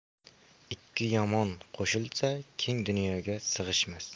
ikki yomon qo'shilsa keng dunyoga siyg'ishmas